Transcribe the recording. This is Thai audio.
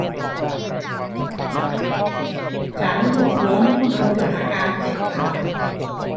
ฉันหกล้มจนเกิดอาการเจ็บเข่า